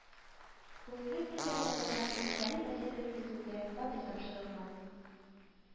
Бүгенге көндә Казанда социаль ипотека нигезендә, фатир тапшырылган